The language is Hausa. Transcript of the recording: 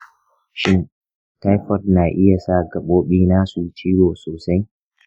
shin taifoid na iya sa gaɓoɓi na su yi ciwo sosai?